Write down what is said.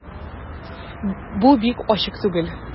Бу бик ачык түгел...